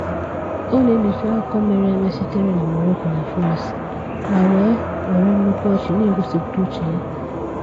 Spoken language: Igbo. Ọ na-enyocha akụkọ mereeme sitere na Morocco na France ma wee were nnukwu ọchị na-egosipụta uche nke ya.